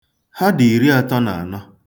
Ha dị iriatọ na anọ.